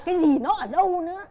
cái gì nó ở đâu nữa